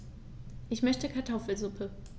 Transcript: Ich möchte Kartoffelsuppe.